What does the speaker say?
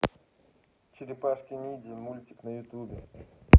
черепашки ниндзя мультик на ютубе